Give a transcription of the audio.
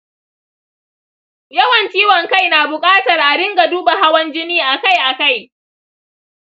yawan ciwon kai na bukatar a dinga duba hawan jini akai-akai.